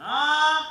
H